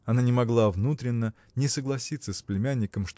Она не могла внутренно не согласиться с племянником